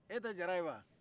e tɛ jara ye wa